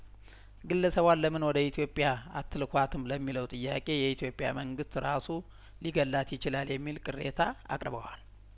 ግለሰቧን ለምን ወደ ኢትዮጵያ አትልኳትም ለሚለው ጥያቄ የኢትዮጵያ መንግስት እራሱ ሊገላት ይችላል የሚል ቅሬታ አቅርበዋል